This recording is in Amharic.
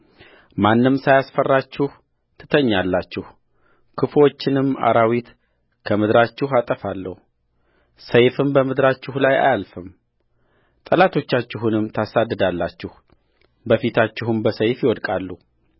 ማንም ሳያስፈራችሁ ትተኛላችሁ ክፉዎችንም አራዊት ከምድራችሁ አጠፋለሁ ሰይፍም በምድራችሁ ላይ አያልፍምጠላቶቻችሁንም ታሳድዳላችሁ በፊታችሁም በሰይፍ ይወድቃሉ